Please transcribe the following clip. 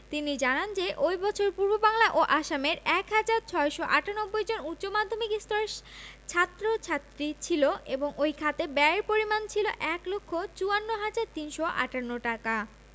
তিনি জানান যে ওই বছর পূর্ববাংলা ও আসামে ১ হাজার ৬৯৮ জন উচ্চ মাধ্যমিক স্তরের ছাত্র ছাত্রী ছিল এবং ওই খাতে ব্যয়ের পরিমাণ ছিল ১ লক্ষ ৫৪ হাজার ৩৫৮ টাকা